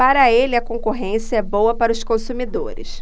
para ele a concorrência é boa para os consumidores